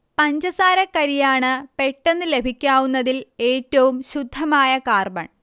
പഞ്ചസാരക്കരിയാണ് പെട്ടെന്ന് ലഭിക്കാവുന്നതിൽ ഏറ്റവും ശുദ്ധമായ കാർബൺ